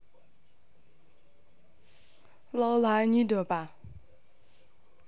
lola ahmedova